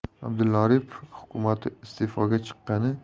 abdulla aripov hukumati iste'foga